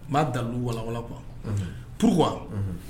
U ma dalu walanwalan qu pwa